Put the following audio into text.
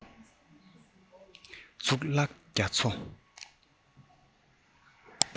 གཙུག ལག རྒྱ མཚོ